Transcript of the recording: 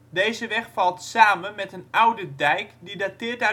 Deze weg valt samen met een oude dijk die dateert